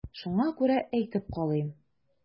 Шуңа күрә әйтеп калыйм.